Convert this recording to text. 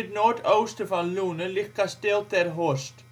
noordoosten van Loenen ligt Kasteel Ter Horst